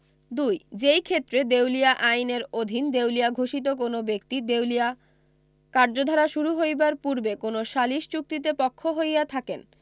২ যেইক্ষেত্রে দেউলিয়া আইন এর অধীন দেউলিয়া ঘোষিত কোন ব্যক্তি দেউলিয়া কার্যধারা শুরু হইবার পূর্বে কোন সালিস চুক্তিতে পক্ষ হইয়া থাকেন